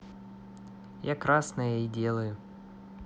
я красное и делаю